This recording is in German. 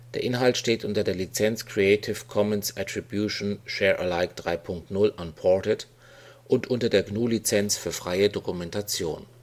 Inhalt steht unter der Lizenz Creative Commons Attribution Share Alike 3 Punkt 0 Unported und unter der GNU Lizenz für freie Dokumentation